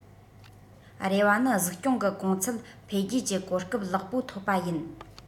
རེ བ ནི གཟིགས སྐྱོང གི གོང ཚད འཕེལ རྒྱས ཀྱི གོ སྐབས ལེགས པོ ཐོབ པ ཡིན